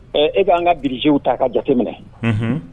E bɛ an ka bilisiw ta ka jate minɛ